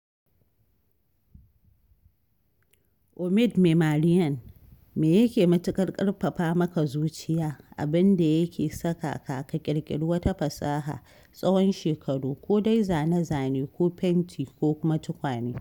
Omid Memarian: Me yake matuƙar ƙarfafa maka zuciya, abin da yake saka ka, ka ƙiriƙiri wata fasaha tsawon shekaru, ko dai zane-zane ko fenti ko kuma tukwane?